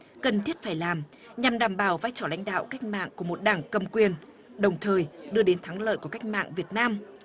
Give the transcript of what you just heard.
cần thiết phải làm nhằm đảm bảo vai trò lãnh đạo cách mạng của một đảng cầm quyền đồng thời đưa đến thắng lợi của cách mạng việt nam